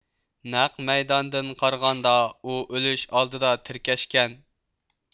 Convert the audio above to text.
نەق مەيداندىن قارىغاندا ئۇ ئۆلۈش ئالدىدا تىركەشكەن